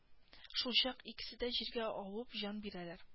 Шулчак икесе дә җиргә авып җан бирәләр